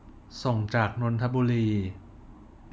ส่งจากนนทบุรี